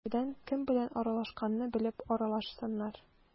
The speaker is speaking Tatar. Икенчедән, кем белән аралашканнарын белеп аралашсыннар.